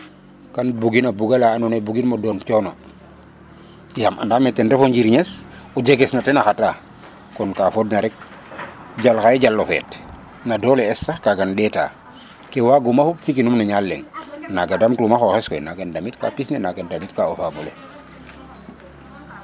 kan bugina bug bogala ando naye bugin mo doon cono yam anda me ten refo njir ñes o jeges na tena xata kon ka fod na rek jala xaye jalo feet na dole es sax kagan ɗeta ke waguma fop fi kinum no ñaal leŋ naga dam tum xoxes koy nagan damit ka pis ne nagan damit ka o famole